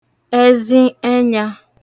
ẹzi ẹnyā